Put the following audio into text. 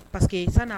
Paseke que san